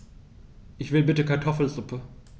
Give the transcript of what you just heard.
Ich will bitte Kartoffelsuppe.